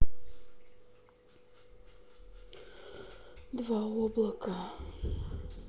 два облака